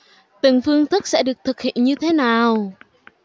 từng phương thức sẽ được thực hiện như thế nào